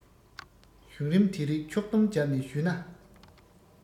བྱུང རིམ དེ རིགས ཕྱོགས བསྡོམས བརྒྱབ ནས ཞུ ན